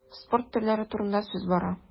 Спорт төрләре турында сүз бара.